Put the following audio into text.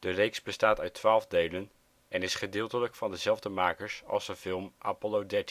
reeks bestaat uit twaalf delen en is gedeeltelijk van dezelfde makers als de film Apollo 13.